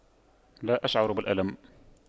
لا أشعر بالألم